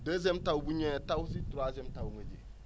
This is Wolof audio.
deuxième taw bu ñëwee taw si troisième taw mu ji